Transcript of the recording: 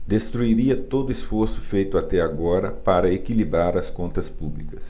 destruiria todo esforço feito até agora para equilibrar as contas públicas